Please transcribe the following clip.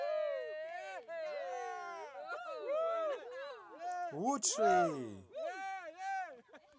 лучший